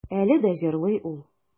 Әле дә җырлый ул.